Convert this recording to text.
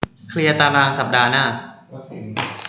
เคลียร์ตารางสัปดาห์หน้า